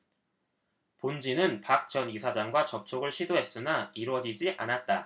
본지는 박 전 이사장과 접촉을 시도했으나 이뤄지지 않았다